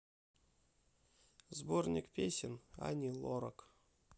сборник песен ани лорак